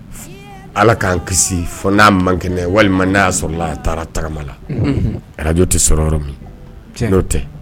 ,Ala k'an kisi fo n'a man kɛnɛ walima n'a y'a sɔrɔ la a taara tagama, unhun, radio tɛ yɔrɔ min, tiɲɛ.